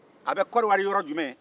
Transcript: a bɛ kɔnɔwari yɔrɔ jumɛn